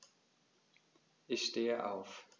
Ich stehe auf.